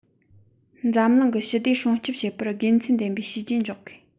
འཛམ གླིང གི ཞི བདེ སྲུང སྐྱོང བྱེད པར དགེ མཚན ལྡན པའི བྱས རྗེས འཇོག དགོས